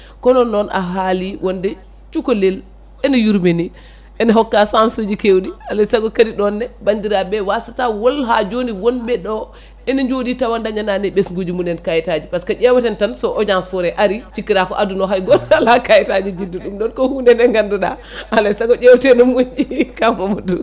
kono noon a haali wonde cukolel ene yurmini ene hokka chance uji kewɗi alay saago kadi ɗonne bandiraɓe wasata wol ha joni wonɓe ɗo ene joɗi tawa dañani ɓesguji munen kayitaji par ce que ƴeweten tan ko so audience forêt ari cikkata aduna hay goto ala kayitaji juddu ɗum ɗon ko hunde nde ganduɗa alay saago ƴewte no moƴƴi kaw Mamadou